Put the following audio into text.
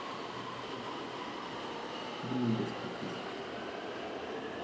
фильмы без подписки